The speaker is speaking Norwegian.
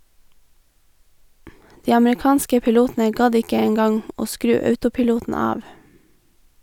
De amerikanske pilotene gadd ikke en gang å skru autopiloten av.